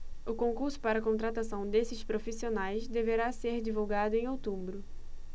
o concurso para contratação desses profissionais deverá ser divulgado em outubro